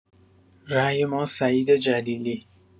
رای ما سعید جلیلی